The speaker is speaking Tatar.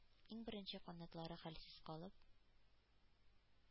Иң беренче канатлары хәлсез калып,